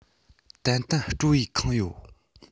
ཏན ཏན སྤྲོ བས ཁེངས ཡོད